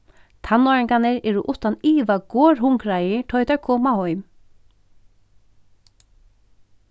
tannáringarnir eru uttan iva gorhungraðir tá ið teir koma heim